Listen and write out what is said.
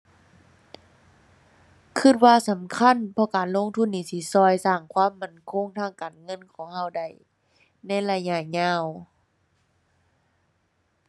คิดว่าสำคัญ เพราะการลงทุนนี่สิคิดสร้างความมั่นคงทางการเงินของคิดได้ในระยะยาว